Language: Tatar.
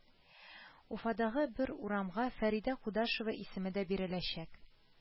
Уфадагы бер урамга Фәридә Кудашева исеме дә биреләчәк